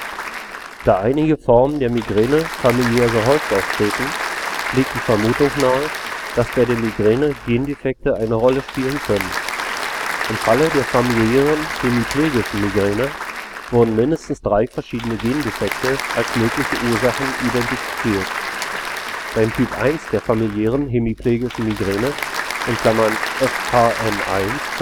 Da einige Formen der Migräne familiär gehäuft auftreten, liegt die Vermutung nahe, dass bei der Migräne Gendefekte eine Rolle spielen können. Im Falle der familiären hemiplegischen Migräne wurden mindestens drei verschiedene Gendefekte als mögliche Ursachen identifiziert. Beim Typ I der familiären hemiplegischen Migräne (FHM1